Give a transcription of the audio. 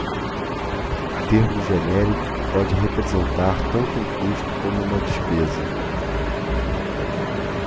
termo genérico que pode representar tanto um custo como uma despesa